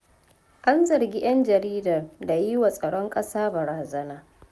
An zargi 'yan jaridar da yi wa tsaron ƙasa barazana